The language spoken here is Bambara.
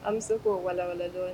An bɛ se k'o walanwalelandɔn